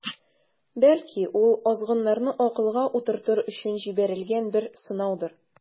Бәлки, ул азгыннарны акылга утыртыр өчен җибәрелгән бер сынаудыр.